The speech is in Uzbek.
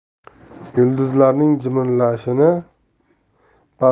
yulduzlarning jimirlashini bazan